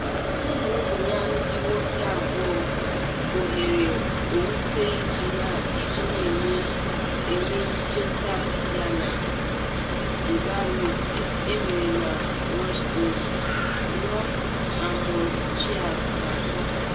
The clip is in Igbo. Ụmụ ụmụ ya ndị nwoke abụọ kpughere okwute iji na-eme ncheta ya na ngarube emere na Rushden, Northamptonshire, na Satọde.